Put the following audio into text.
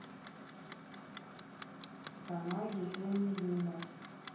канал безумный юмор